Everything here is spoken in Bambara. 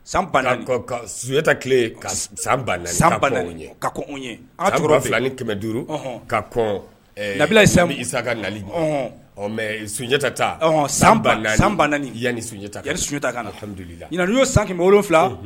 San sunjata tile san san tora ni kɛmɛ duuru ka labila san sa ka nali mɛ sunjatata ta san san nii yan ni sunjata sunjata ta ka na tɛmɛli la ɲin n y'o sanfila